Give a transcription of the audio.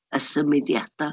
Y symudiadau.